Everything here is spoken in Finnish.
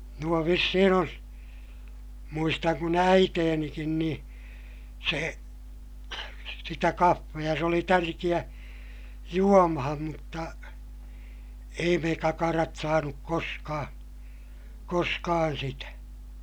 nuo vissiin on muistan kun äitinikin niin se sitä kahvia se oli tärkeä juomaan mutta ei me kakarat saanut koskaan koskaan sitä